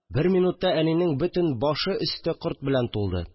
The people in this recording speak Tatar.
Бер минутта әнинең бөтен башы-өсте корт белән тулды